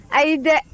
ayi dɛ